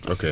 ok